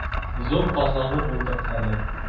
Зур казалы булдык әле.